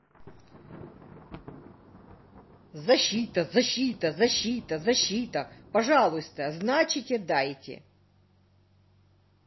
защита защита защита защита пожалуйста значите дайте